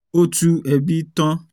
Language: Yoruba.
Ó tú ẹbí tán.